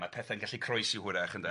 Ma' pethe'n gallu croesi hwrach yn 'de.